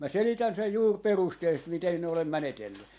minä selitän sen juuri perusteellisesti miten siinä olen menetellyt